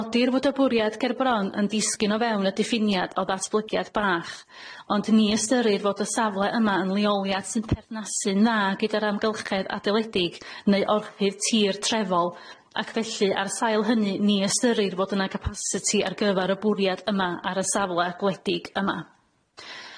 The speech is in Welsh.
Nodir fod y bwriad ger bron yn disgyn o fewn y diffiniad o ddatblygiad bach ond ni ystyrir fod y safle yma yn leoliad sy'n perthnasu'n dda gyda'r amgylchedd adeledig neu orchudd tir trefol, ac felly ar sail hynny ni ystyrir fod yna capasiti ar gyfar y bwriad yma ar y safle gwledig yma.